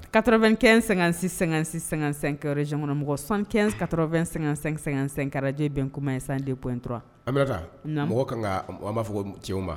Kato2kɛɛn--sɛ-sɛsɛ z kɔnɔ mɔgɔ sanka2---sɛkarajɛ bɛn kuma ye san dep in dɔrɔn mɔgɔ ka b'a fɔ cɛwba